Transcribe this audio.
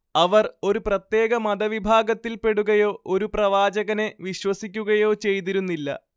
അവർ ഒരു പ്രത്യേക മതവിഭാഗത്തിൽപ്പെടുകയോ ഒരു പ്രവാചകനെ വിശ്വസിക്കുകയോ ചെയ്തിരുന്നില്ല